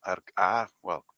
a'r g- a wel,